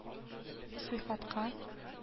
Сыйфатка